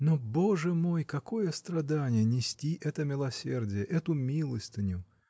— Но, Боже мой, какое страдание — нести это милосердие, эту милостыню!